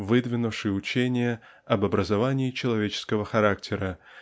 выдвинувший учение об образовании человеческого характера